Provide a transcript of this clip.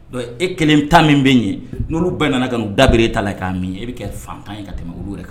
Don e kelen tan min bɛ ye n' bɛɛ nana ka dabere e ta la k' min e bɛ kɛ fan tan ye ka tɛmɛ olu yɛrɛ kan